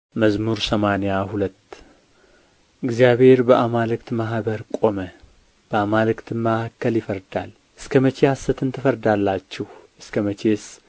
መዝሙር ሰማንያ ሁለት እግዚአብሔር በአማልክት ማኅበር ቆመ በአማልክትም መካከል ይፈርዳል እስከ መቼ ሐሰትን ትፈርዳላችሁ እስከ መቼ